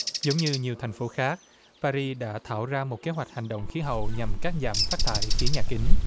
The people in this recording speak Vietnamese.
giống như nhiều thành phố khác pa ri đã tháo ra một kế hoạch hành động khí hậu nhằm cắt giảm phát thải khí nhà kính